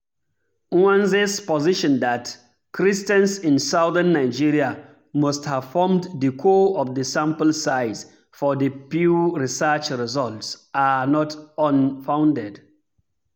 Nwanze's position that Christians in southern Nigeria must have formed the core of the sample size for the Pew Research results are not unfounded.